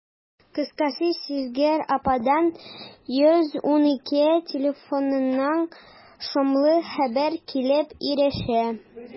Кыскасы, сизгер ападан «112» телефонына шомлы хәбәр килеп ирешә.